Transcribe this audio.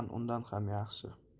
undan ham yaxshi